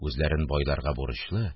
Үзләрен байларга бурычлы